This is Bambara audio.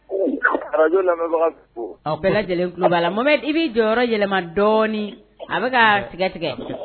radio lamɛnbaga fo, a bɛɛ lajɛlen tulo bɛ i la, Muhamɛd i b'i jɔyɔrɔ yɛlɛma dɔɔnin a bɛka ka tigɛ tigɛ.